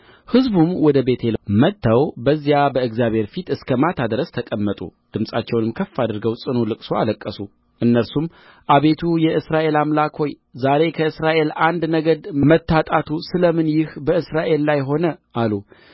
ሕዝቡም ወደ ቤቴል መጥተው በዚያ በእግዚአብሔር ፊት እስከ ማታ ድረስ ተቀመጡ ድምፃቸውንም ከፍ አድርገው ጽኑ ልቅሶ አለቀሱ እነርሱም አቤቱ የእስራኤል አምላክ ሆይ ዛሬ ከእስራኤል አንድ ነገድ መታጣቱ ስለ ምን ይህ በእስራኤል ላይ ሆነ አሉ